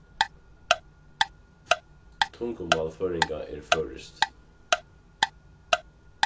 tungumál føroyinga er føroyskt